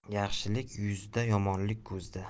yaxshilik yuzda yomonlik ko'zda